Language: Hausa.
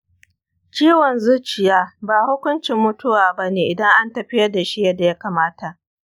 ciwon zuciya ba hukuncin mutuwa ba ne idan an tafiyar da shi yadda ya kamata.